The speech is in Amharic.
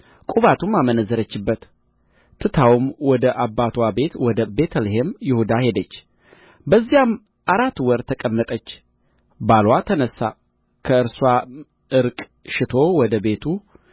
ቁባቱም አመነዘረችበት ትታውም ወደ አባትዋ ቤት ወደ ቤተ ልሔም ይሁዳ ሄደች በዚያም አራት ወር ተቀመጠች ባልዋም ተነሣ ከእርስዋም ዕርቅ ሽቶ ወደ ቤቱ